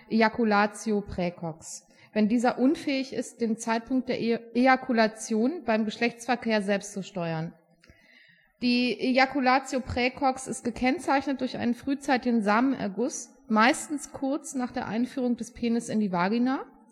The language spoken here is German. Ejaculatio praecox), wenn dieser unfähig ist, den Zeitpunkt der Ejakulation beim Geschlechtsverkehr selbst zu steuern. Die Ejaculatio praecox ist gekennzeichnet durch einen frühzeitigen Samenerguss, meistens kurz nach der Einführung des Penis in die Vagina